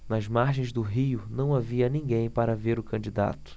nas margens do rio não havia ninguém para ver o candidato